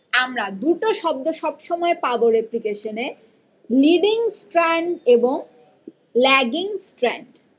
আমরা দুটো শব্দ সবসময় পাব রেপ্লিকেশনে নিডিং স্ট্র্যান্ড এবং ল্যাগিং স্ট্র্যান্ড